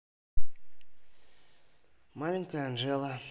маленькая анжела